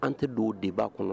An tɛ don o débat kɔnɔ